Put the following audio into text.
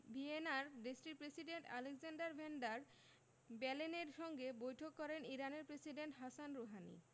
ভিয়েনায় দেশটির president Alexander van der বেলেনের সঙ্গে বৈঠক করেন ইরানের প্রেসিডেন্ট হাসান রুহানি